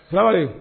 Salamuhalekum